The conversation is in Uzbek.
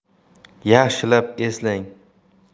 yaxshilab eslang